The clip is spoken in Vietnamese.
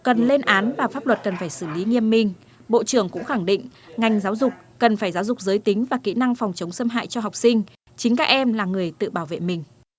cần lên án và pháp luật cần phải xử lý nghiêm minh bộ trưởng cũng khẳng định ngành giáo dục cần phải giáo dục giới tính và kỹ năng phòng chống xâm hại cho học sinh chính các em là người tự bảo vệ mình